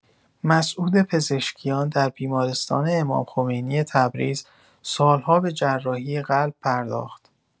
مسعود پزشکیان در بیمارستان امام‌خمینی تبریز سال‌ها به جراحی قلب پرداخت.